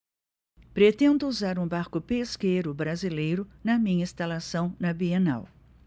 pretendo usar um barco pesqueiro brasileiro na minha instalação na bienal